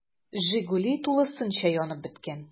“жигули” тулысынча янып беткән.